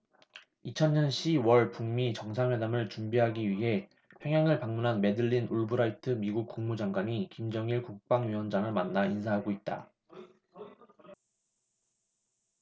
이천 년 시 월 북 미 정상회담을 준비하기 위해 평양을 방문한 매들린 올브라이트 미국 국무장관이 김정일 국방위원장을 만나 인사하고 있다